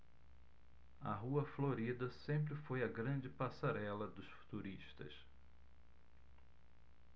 a rua florida sempre foi a grande passarela dos turistas